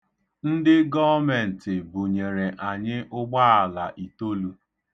Ndị gọọmentị bunyere anyị ụgbaala itolu.